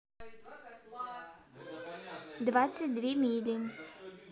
двадцать две мили